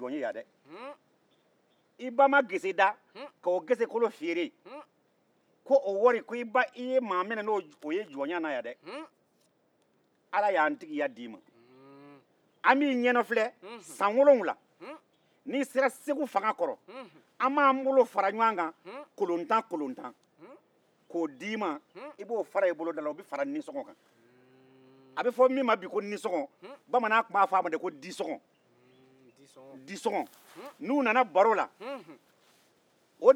n'i sera segu fanga kɔrɔ an b'an bolo fara ɲɔgɔn kan kolon tan kolon tan k'o d'i ma o bɛ fara disɔngɔ kan a be fɔ min ma bi ko nisɔngɔ bamanan tun b'a fɔ a ma ko disɔngɔ n'u nana baro la o bɛ di la a bɛ mɔgɔw ma faama ka bulon kɔnɔ